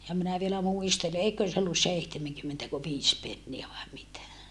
ja minä vielä muistelen eiköhän se ollut seitsemänkymmentäkö viisi penniä vai mitä